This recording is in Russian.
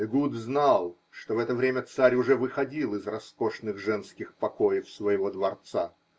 Эгуд знал, что в это время царь уже выходил из роскошных женских покоев своего дворца.